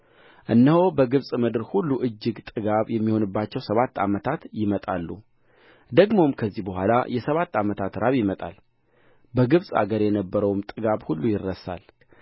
እነሆ በግብፅ ምድር ሁሉ እጅግ ጥጋብ የሚሆንባቸው ሰባት ዓመታት ይመጣሉ ደግሞ ከዚህ በኋላ የሰባት ዓመት ራብ ይመጣል በግብፅ አገር የነበረውም ጥጋብ ሁሉ ይረሳል